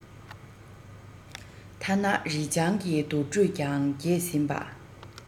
ཐ ན རི སྤྱང གི འདུར འགྲོས ཀྱང གྱེས ཟིན པས